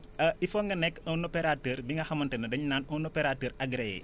ah il faut nga nekk un opérateur bi nga xamante ne dañu naan un opérateur agréé